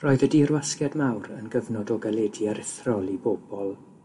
Roedd y Dirwasgiad mawr yn gyfnod o galedu aruthrol i bobol